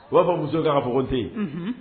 U b'a fɔ muso ye k'a ka fɔ ko n tɛ yen.